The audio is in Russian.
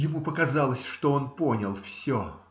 " Ему показалось, что он понял все.